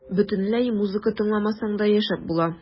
Бөтенләй музыка тыңламасаң да яшәп була.